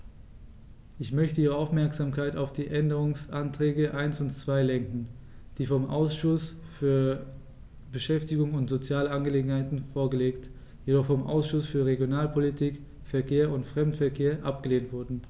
Ich möchte Ihre Aufmerksamkeit auf die Änderungsanträge 1 und 2 lenken, die vom Ausschuss für Beschäftigung und soziale Angelegenheiten vorgelegt, jedoch vom Ausschuss für Regionalpolitik, Verkehr und Fremdenverkehr abgelehnt wurden.